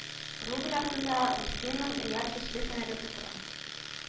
Рубль артында Русиянең реаль көчле сәнәгате тора